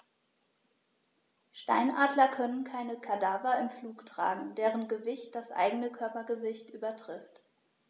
Steinadler können keine Kadaver im Flug tragen, deren Gewicht das eigene Körpergewicht übertrifft.